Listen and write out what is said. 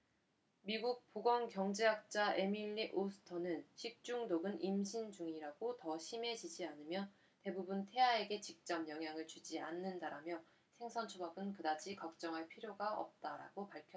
미국 보건경제학자 에밀리 오스터는 식중독은 임신 중이라고 더 심해지지 않으며 대부분은 태아에게 직접 영향을 주지 않는다라며 생선초밥은 그다지 걱정할 필요가 없다라고 밝혔습니다